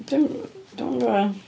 Dwi ddim yn- dwi ddim yn gwbo'.